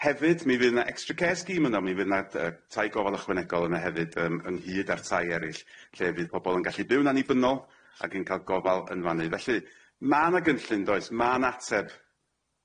Hefyd mi fydd yna extra care scheme yno mi fydd yna yy tai gofal ychwanegol yna hefyd yym ynghyd a'r tai eryll lle fydd pobol yn gallu byw'n annibynnol ag yn ca'l gofal yn fan'ny felly ma' na gynllun does ma'n ateb,